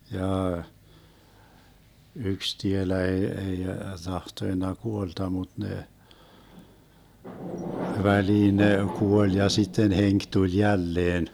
jaa yksi tielä ei ei tahtonut kuolla mutta ne väliin ne kuoli ja sitten henki tuli jälleen